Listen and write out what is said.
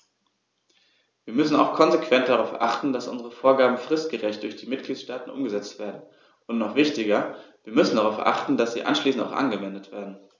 Wir müssen auch konsequent darauf achten, dass unsere Vorgaben fristgerecht durch die Mitgliedstaaten umgesetzt werden, und noch wichtiger, wir müssen darauf achten, dass sie anschließend auch angewendet werden.